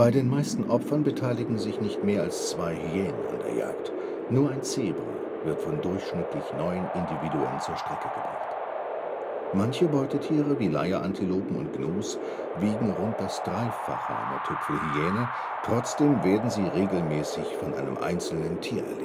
den meisten Opfern beteiligen sich nicht mehr als zwei Hyänen an der Jagd, nur ein Zebra wird von durchschnittlich neun Individuen zur Strecke gebracht. Manche Beutetiere wie Leierantilopen und Gnus wiegen rund das Dreifache einer Tüpfelhyäne, trotzdem werden sie regelmäßig von einem einzelnen Tier